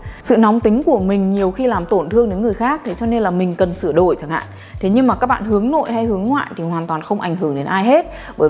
sự nóng tính của mình nhiều khi làm tổn thương đến người khác thế cho nên là mình cần sửa đổi chẳng hạn thế nhưng mà các bạn hướng nội hay hướng ngoại thì hoàn toàn không ảnh hưởng đến ai hết